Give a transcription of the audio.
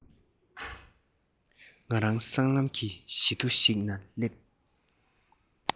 ང རང སྲང ལམ གྱི བཞི མདོ ཞིག ན སླེབས